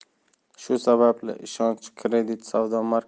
shu sababli ishonch kredit savdo